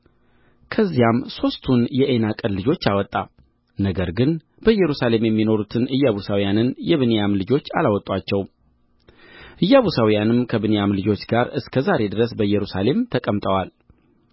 ከዚያም ሦስቱን የዔናቅ ልጆች አወጣ ነገር ግን በኢየሩሳሌም የሚኖሩትን ኢያቡሳውያንን የብንያም ልጆች አላወጡአቸውም ኢያቡሳውያንም ከብንያም ልጆች ጋር እስከ ዛሬ ድረስ በኢየሩሳሌም ተቀምጠዋል